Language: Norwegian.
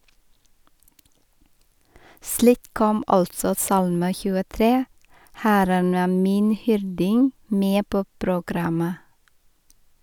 Slik kom altså salme 23, "Herren er min hyrding" med på programmet.